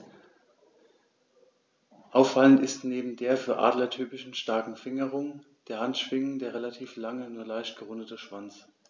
Auffallend ist neben der für Adler typischen starken Fingerung der Handschwingen der relativ lange, nur leicht gerundete Schwanz.